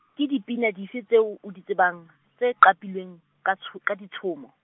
ke dipina dife tseo o di tsebang, tse qapilweng ka tsho-, ka ditshomo?